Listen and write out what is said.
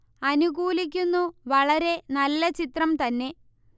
അനുകൂലിക്കുന്നു വളരെ നല്ല ചിത്രം തന്നെ